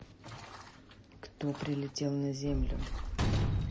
кто прилетал на землю